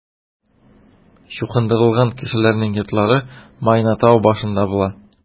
Чукындырылган кешеләрнең йортлары Майна тау башында була.